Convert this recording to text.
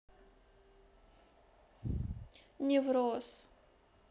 невроз